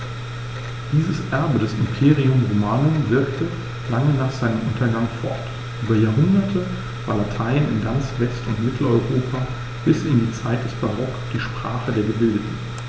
Dieses Erbe des Imperium Romanum wirkte lange nach seinem Untergang fort: Über Jahrhunderte war Latein in ganz West- und Mitteleuropa bis in die Zeit des Barock die Sprache der Gebildeten.